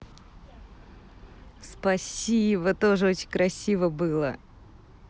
спасибо тоже очень красиво было